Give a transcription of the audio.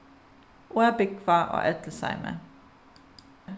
og at búgva á ellisheimi